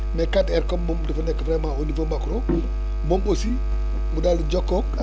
mais 4R comme moom dafa nekk vraiment au niveau macro moom aussi mu daal di jokkoog ak